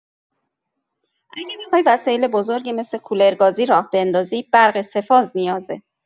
اگه بخوای وسایل بزرگی مثل کولرگازی راه بندازی، برق سه‌فاز نیازه.